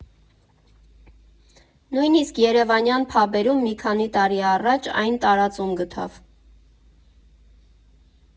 Նույնիսկ Երևանյան փաբերում մի քանի տարի առաջ այն տարածում գտավ։